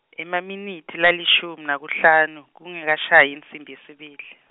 emaminitsi lalishumi nakuhlanu, kungekashayi insimbi yesibili.